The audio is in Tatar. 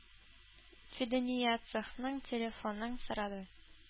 Фидания цехның телефонын сорады.